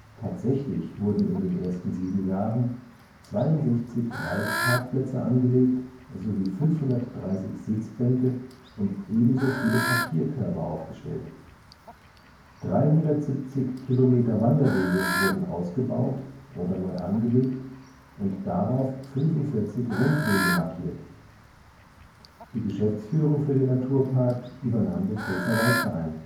Tatsächlich wurden in den ersten sieben Jahren 62 Waldparkplätze angelegt sowie 530 Sitzbänke und ebenso viele Papierkörbe aufgestellt. 370 Kilometer Wanderwege wurden ausgebaut oder neu angelegt und darauf 45 Rundwege markiert. Die Geschäftsführung für den Naturpark übernahm der Pfälzerwald-Verein